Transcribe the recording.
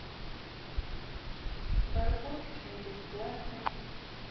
барбоскины бесплатные